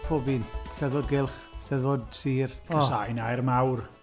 Pob un, 'Steddfod Gylch, 'Steddfod Sir, och... casàu yn air mawr.